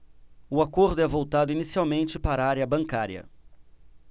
o acordo é voltado inicialmente para a área bancária